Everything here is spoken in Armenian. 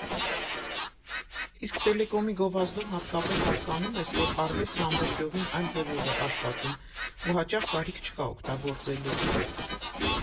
Իսկ տելեկոմի գովազդում հատկապես հասկանում ես, որ արվեստն ամբողջովին այլ ձևով է աշխատում ու հաճախ կարիք չկա օգտագործելու։